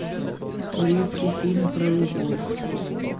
турецкий фильм про любовь